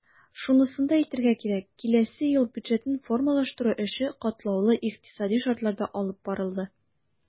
Шунысын да әйтергә кирәк, киләсе ел бюджетын формалаштыру эше катлаулы икътисадый шартларда алып барылды.